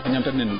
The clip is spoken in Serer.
a ñaamtan